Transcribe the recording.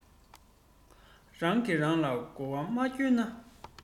རང གི རང ལ གོ བ མ བསྐོན ན